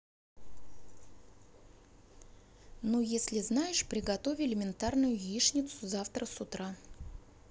ну если знаешь приготовь элементарную яичницу завтра с утра